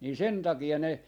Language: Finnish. niin sen takia ne